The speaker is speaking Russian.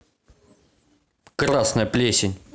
красная плесень